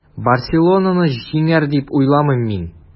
“барселона”ны җиңәр, дип уйламыйм мин.